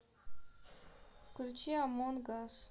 включи амонг ас